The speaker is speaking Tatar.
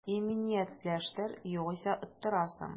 Иминиятләштер, югыйсә оттырасың